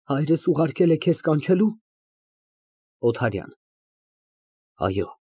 Հայրս ուղարկել է քեզ կանչելու։ ՕԹԱՐՅԱՆ ֊ Այո։